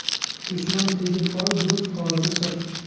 dushman tegi poy do'st toji sir